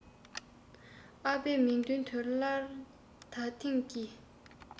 ཨ ཕའི མིག མདུན དུ སླར ད ཐེངས ཀྱི